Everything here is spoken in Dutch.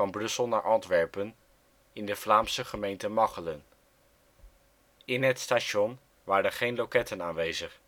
Brussel - Antwerpen) in de Vlaamse gemeente Machelen. In het station waren geen loketten aanwezig